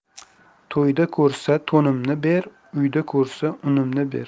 to'yda ko'rsa to'nimni ber uyda ko'rsa unimni ber